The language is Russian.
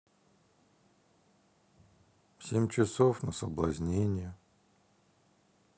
семь часов на соблазнение